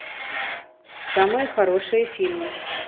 самые хорошие фильмы